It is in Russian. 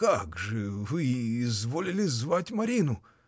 — Как же вы изволили звать Марину!